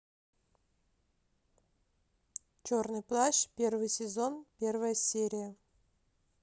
черный плащ первый сезон первая серия